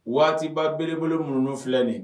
Waatiba belebbolo mununu filɛ nin